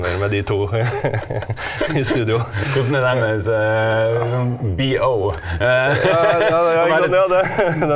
hvordan er deres og .